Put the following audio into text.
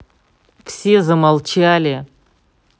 все замолчи